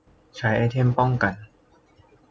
ใช้ไอเทมป้องกัน